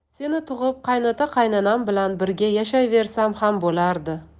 seni tug'ib qaynota qaynonam bilan birga yashayversam ham bo'lardi